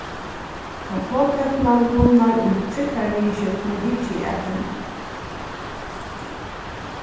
tá flogternan kunnar um trygdarviðurskiftini hyggi eg at henni